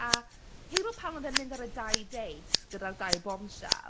A hyd yn oed pan oedd e’n mynd ar y dau date gyda’r dau bombshell...